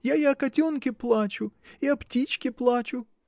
Я и о котенке плачу, и о птичке плачу.